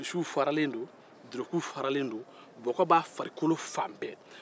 kulusiw faralen don dulokiw faralen don bɔgɔ b'a fari fan bɛɛ la